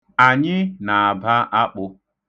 Anyị na-aba akpụ.